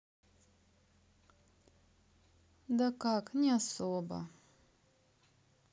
да как не особо